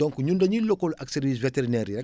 donc ñun dañuy lëkkaloo ak service vétérinaire yi rek